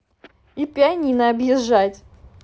и пианино объезжать